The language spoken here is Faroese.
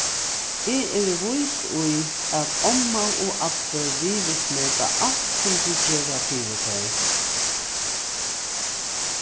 eg eri vís í at omma og abbi virðismeta alt sum tit gera fyri tey